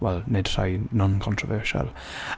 Wel, nid rhai, non-controversial.